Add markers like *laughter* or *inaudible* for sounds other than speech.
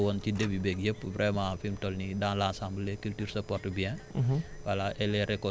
waaw par rapport ak ni ñu jaaxlee woon *noise* ci début beeg yëpp vraiment fi mu toll nii dans l' ensemble les cultres se portent bien